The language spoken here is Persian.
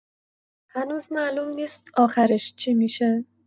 هنوز معلوم نیست آخرش چی می‌شه.